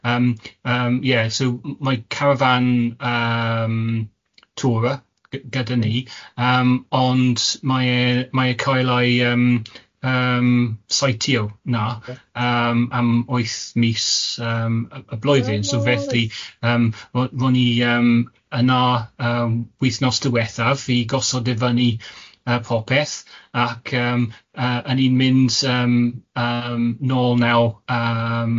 yym yym ie so mae carafan yym tourer gyda ni yym ond mae e mae e cal ei yym yym citio yna yym am wyth mis yym y blwyddyn... Oh reit. ...so felly yym ro- ro'n i yym na yym wythnos diwethaf i gosod i fyny yy popeth ac yym yy y'n ni'n mynd yym yym nôl naw yym